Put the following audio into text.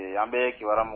An bɛ kiba mun